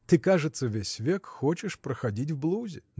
– Ты, кажется, весь век хочешь проходить в блузе?